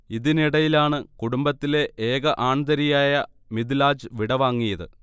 ഇതിനിടയിലാണ് കുടുംബത്തിലെ ഏക ആൺതരിയായ മിദ്ലാജ് വിടവാങ്ങിയത്